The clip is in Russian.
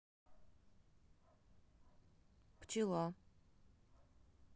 пчела